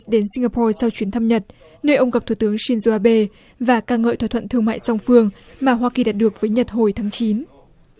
đến sin ga po sau chuyến thăm nhật nơi ông gặp thủ tướng sin dô a bê và ca ngợi thỏa thuận thương mại song phương mà hoa kỳ đạt được với nhật hồi tháng chín